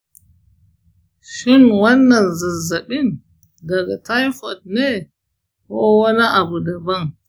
shin wannan zazzabi daga taifoid ne ko wani abu daban?